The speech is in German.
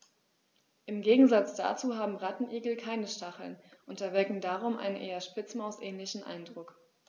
Im Gegensatz dazu haben Rattenigel keine Stacheln und erwecken darum einen eher Spitzmaus-ähnlichen Eindruck.